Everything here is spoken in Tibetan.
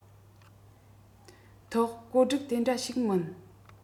ཐོག བཀོད སྒྲིག དེ འདྲ ཞིག མིན